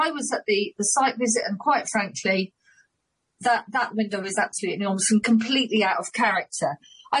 I was at the the site visit and quite frankly that that window is absolutely and almost completely out of character.